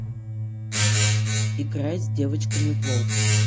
играет с девочками в лол